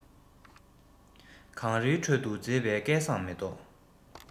གངས རིའི ཁྲོད དུ མཛེས པའི སྐལ བཟང མེ ཏོག